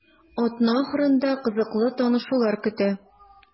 Атна ахырында кызыклы танышулар көтә.